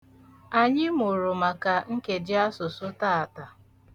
Anyị mụrụ maka nkejiasụsụ taata.